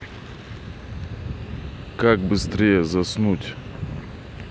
как быстрее заснуть